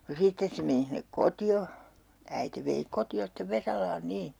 no sitten se meni sinne kotiin äiti vei kotiin sitten Vesalaan niin